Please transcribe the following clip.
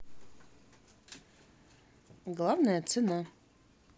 главная сцена